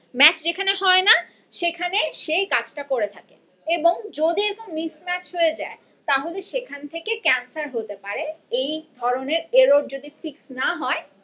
match যেখানে হয় না সেখানে সে এই কাজ টা করে থাকে এবং যিদি মিসম্যাচ হয়ে যায় তাহলে সেখান থেকে ক্যান্সার হতে পারে এই ধরনের এরর যদি ফিক্স না হয়